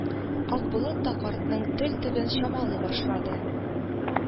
Акболыт та картның тел төбен чамалый башлады